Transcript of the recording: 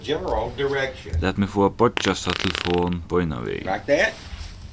lat meg fáa beiggjasa telefon beinan vegin